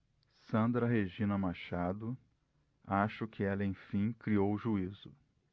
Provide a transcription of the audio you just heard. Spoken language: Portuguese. sandra regina machado acho que ela enfim criou juízo